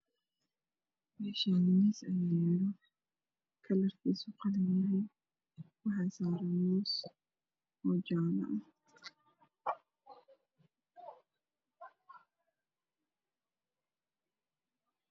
Meshani miis ayayalo kalarkis qalin yahay waxasarna moos oo jale ah